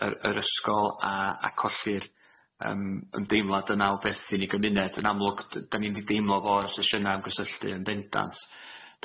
yr yr ysgol a a colli'r yym ymdeimlad yna o berthyn i gymuned yn amlwg d- 'dan ni'n 'di deimlo fo o'r sesiyna' ymgysylltu yn bendant.